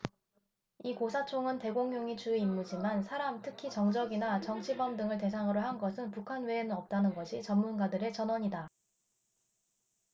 이 고사총은 대공용이 주임무지만 사람 특히 정적이나 정치범 등을 대상으로 한 것은 북한 외에는 없다는 것이 전문가들의 전언이다